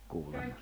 kuulemma